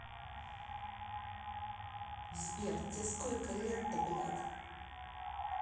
сбер тебе сколько лет то блядь